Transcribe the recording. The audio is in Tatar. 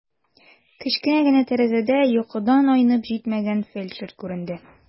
Кечкенә генә тәрәзәдә йокыдан айнып җитмәгән фельдшер күренде.